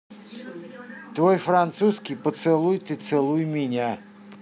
твой французский поцелуй ты целуй меня